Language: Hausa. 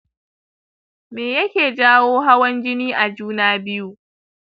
me yake jawo hawan jini a juna biyu